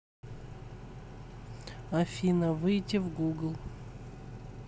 афина выйти в google